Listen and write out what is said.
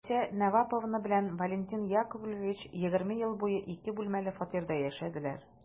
Вәриса Наваповна белән Валентин Яковлевич егерме ел буе ике бүлмәле фатирда яшәделәр.